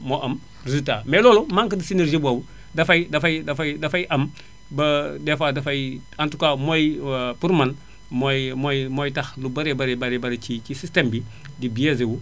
moo am résultat mais loolu manque de synergie boobu dafay dafay dafay dafay am ba ba dès dafay en tout cas mooy pour man mooy mooy mooy tax lu baree baree baree ci ci système bi di biaisé wu